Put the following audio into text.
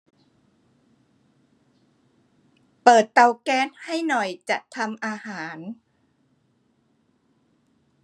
เปิดเตาแก๊สให้หน่อยจะทำอาหาร